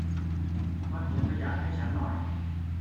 มัดถุงขยะให้ฉันหน่อย